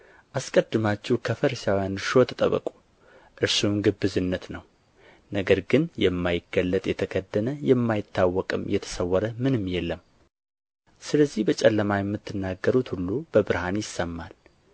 አስቀድማችሁ ከፈሪሳውያን እርሾ ተጠበቁ እርሱም ግብዝነት ነው ነገር ግን የማይገለጥ የተከደነ የማይታወቅም የተሰወረ ምንም የለም ስለዚህ በጨለማ የምትናገሩት ሁሉ በብርሃን ይሰማል